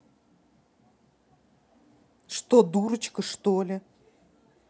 что дурочка что ли